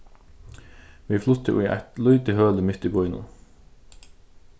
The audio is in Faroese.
vit fluttu í eitt lítið høli mitt í býnum